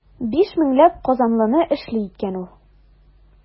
Биш меңләп казанлыны эшле иткән ул.